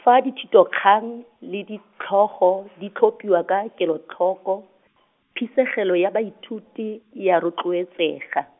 fa dithitokgang, le ditlhogo, di tlhophiwa ka kelotlhoko , phisegelo ya baithuti, e a rotloetsega.